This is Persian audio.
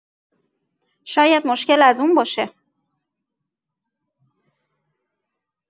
شاید مشکل از اون باشه.